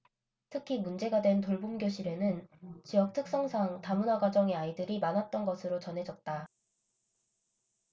특히 문제가 된 돌봄교실에는 지역 특성상 다문화 가정의 아이들이 많았던 것으로 전해졌다